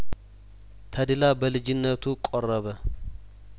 ተድላ በልጅነቱ ቆረበ